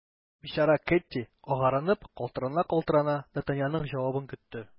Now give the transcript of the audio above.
Бичара Кэтти, агарынып, калтырана-калтырана, д’Артаньянның җавабын көтте.